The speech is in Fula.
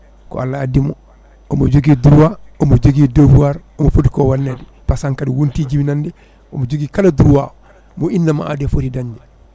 ko Allah addimo omo jogui droit omo jogui devoir omo fotiko wannede par ce que hankkanti o wonti jibinande omo jogui kala droit mo innama aade foti dañde